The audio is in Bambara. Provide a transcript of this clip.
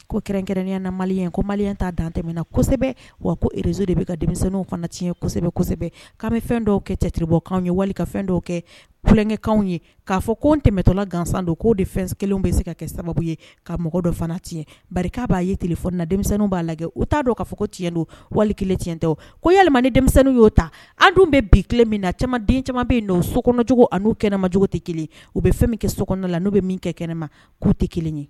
Ko kɛrɛnkɛrɛnya na maliya ko mali ta dantɛɛna kosɛbɛ wa ko erez de bɛ ka denmisɛnninw fana ti ka bɛ fɛn dɔw kɛ cɛtiri bɔkan ye wali ka fɛn dɔw kɛurankɛkan ye k'a fɔ kotɛtɔla gansan don k'o de fɛn kelen bɛ se ka kɛ sababu ye ka mɔgɔ dɔ fana ti barika b'a ye tile fɔna denmisɛnnin b'a lajɛ u t'a dɔn k kaa fɔ ko tiɲɛn don wali kelen tiɲɛ tɛ ko ya ni denmisɛnnin y'o ta an dun bɛ bi tilen min na camanden caman bɛ yen don o sokɔnɔcogo ani n'u kɛnɛmacogo tɛ kelen u bɛ fɛn min kɛ so kɔnɔ la n'u bɛ min kɛ kɛnɛ ma k'u tɛ kelen ye